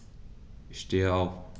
Ich stehe auf.